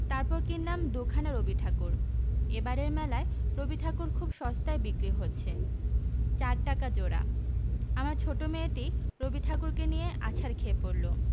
তারপর কিনলাম দু'খানা রবিঠাকুর এবারের মেলায় রবিঠাকুর খুব সস্তায় বিক্রি হচ্ছে চার টাকা জোড়া আমার ছোট মেয়েটি রবিঠাকুরকে নিয়ে আছাড় খেয়ে পড়ল